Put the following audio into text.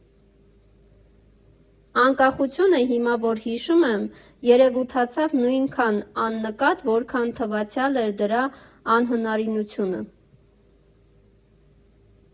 Անկախությունը, հիմա որ հիշում եմ, երևութացավ նույնքան աննկատ, որքան թվացյալ էր դրա անհնարինությունը։